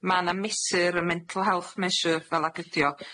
ma' 'na mesur, y mental health measure, fel ag ydi o.